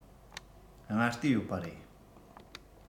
སྔ ལྟས ཡོད པ རེད